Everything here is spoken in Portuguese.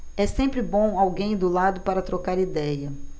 é sempre bom alguém do lado para trocar idéia